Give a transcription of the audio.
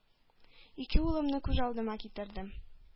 Ике улымны күз алдыма китердем,